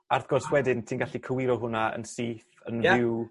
A wrth gwrs wedyn ti'n gallu cywiro hwnna yn syth yn... Ia. ...fyw